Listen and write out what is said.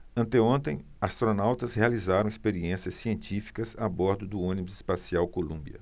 anteontem astronautas realizaram experiências científicas a bordo do ônibus espacial columbia